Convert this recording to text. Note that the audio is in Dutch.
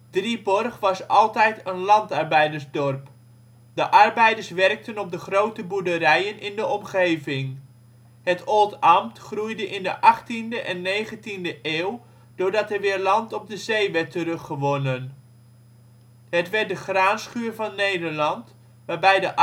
Drieborg was altijd een landarbeidersdorp. De arbeiders werkten op de grote boerderijen in de omgeving. Het Oldambt groeide in de achttiende en negentiende eeuw doordat er weer land op de zee werd teruggewonnen. Het werd de graanschuur van Nederland, waarbij de